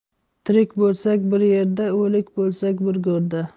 tirik bo'lsak bir yerda o'lik bo'lsak bir go'rda